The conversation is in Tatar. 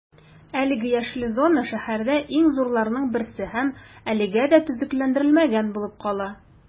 Әлеге яшел зона шәһәрдә иң зурларының берсе һәм әлегә дә төзекләндерелмәгән булып кала.